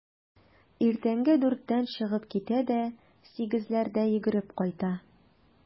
Иртәнге дүрттән чыгып китә дә сигезләрдә йөгереп кайта.